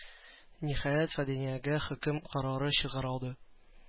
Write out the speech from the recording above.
Ниһаять, Фиданиягә хөкем карары чыгарылды.